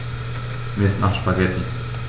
Mir ist nach Spaghetti.